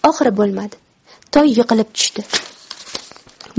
oxiri bo'lmadi toy yiqilib tushdi